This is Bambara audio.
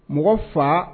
Mɔgɔ fa